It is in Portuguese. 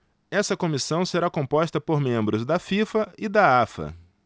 essa comissão será composta por membros da fifa e da afa